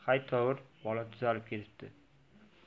haytovur bola tuzalib ketibdi